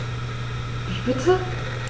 Wie bitte?